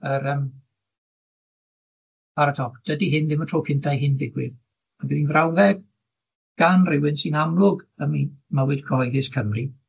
yr yym ar y top, dydy hyn ddim y tro cynta i hyn ddigwydd, ond bydd 'i'n frawddeg gan rywun sy'n amlwg ym mi- mywyd cyhoeddus Cymru,